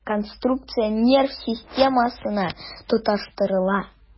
Конструкция нерв системасына тоташтырыла.